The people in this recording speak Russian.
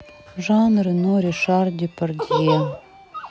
жан рено ришар депардье